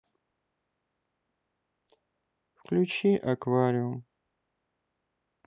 выключи аквариум